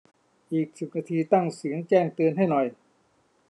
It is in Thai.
อีกสิบนาทีตั้งเสียงแจ้งเตือนให้หน่อย